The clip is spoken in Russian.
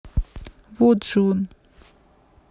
вон же он